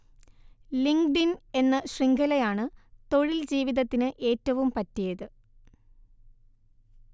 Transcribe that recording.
linked in എന്ന ശൃംഖലയാണ് തൊഴിൽജീവിതത്തിന് ഏറ്റവും പറ്റിയത്